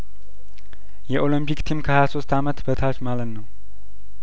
የኦሎምፒክ ቲም ከሀያሶስት አመት በታች ማለት ነው